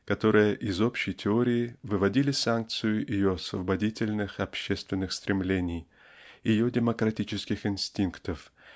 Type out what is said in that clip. которые из общей теории выводили санкцию ее освободительных общественных стремлений ее демократических инстинктов